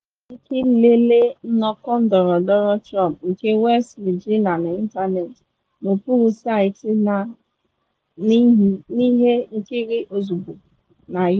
I nwere ike lelee nnọkọ ndọrọndọrọ Trump nke West Virginia n’ịntanetị, n’okpuru site na ihe nkiri ozugbo na Youtube.